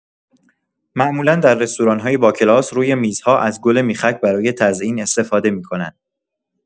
معمولا در رستوران‌های باکلاس، روی میزها از گل میخک برای تزئین استفاده می‌کنن.